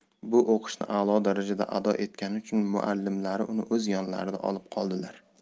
bu o'qish ni a'lo darajada ado etgani uchun muallim lari uni o'z yonlarida olib qoldilar